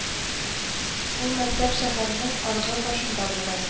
Ул мәктәп шәһәрнең аргы башында бугай